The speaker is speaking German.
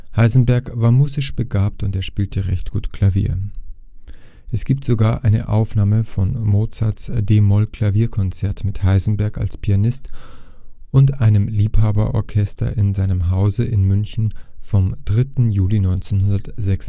Heisenberg war musisch begabt, und er spielte recht gut Klavier. Es gibt sogar eine Aufnahme von Mozarts d-Moll-Klavierkonzert mit Heisenberg als Pianist und einem Liebhaber-Orchester in seinem Hause in München vom 3. Juli 1966. Seine